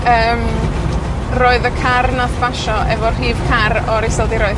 Yym, roedd y car nath basio hefo rhif car o'r Iseldiroedd.